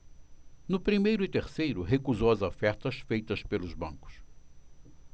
no primeiro e terceiro recusou as ofertas feitas pelos bancos